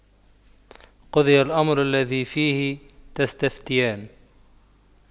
قُضِيَ الأَمرُ الَّذِي فِيهِ تَستَفِتيَانِ